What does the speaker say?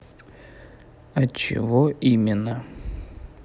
отчего именно